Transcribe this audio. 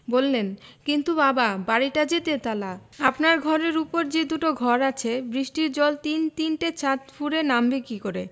বললেন কিন্তু বাবা বাড়িটা যে তেতলা আপনার ঘরের উপর আরও যে দুটো ঘর আছে বৃষ্টির জল তিন তিনটে ছাত ফুঁড়ে নামবে কি করে